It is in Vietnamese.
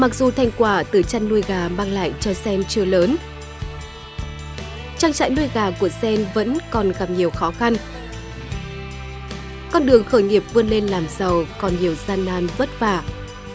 mặc dù thành quả từ chăn nuôi gà mang lại cho sen chưa lớn trang trại nuôi gà của sen vẫn còn gặp nhiều khó khăn con đường khởi nghiệp vươn lên làm giàu còn nhiều gian nan vất vả